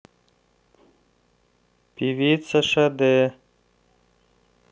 певица шаде